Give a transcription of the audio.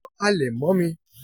Wọ́n halẹ̀ mọ́ mi!